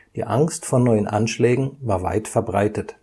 Die Angst vor neuen Anschlägen war weit verbreitet